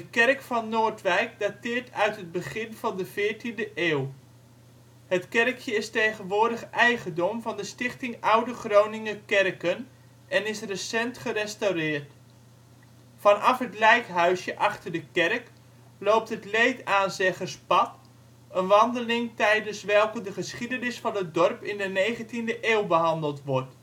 kerk van Noordwijk dateert uit het begin van de veertiende eeuw. Het kerkje is tegenwoordig eigendom van de Stichting Oude Groninger Kerken en is recent gerestaureerd. Vanaf het lijkhuisje achter de kerk loopt het Leedaanzeggerspad, een wandeling tijdens welke de geschiedenis van het dorp in de negentiende eeuw behandeld wordt